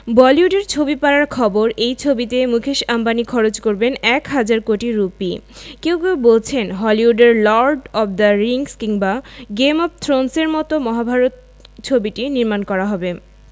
বলিউডের ছবিপাড়ার খবর এই ছবিতে মুকেশ আম্বানি খরচ করবেন এক হাজার কোটি রুপি কেউ কেউ বলছেন হলিউডের লর্ড অব দ্য রিংস কিংবা গেম অব থ্রোনস এর মতো করে মহাভারত ছবিটি নির্মাণ করা হবে